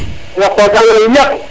a yaq wa ba nan yaq